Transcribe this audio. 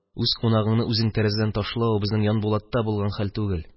Үз кунагыңны үзең тәрәзәдән ташлау безнең Янбулатта булган хәл түгел